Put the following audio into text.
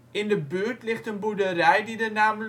In de buurt ligt een boerderij die de naam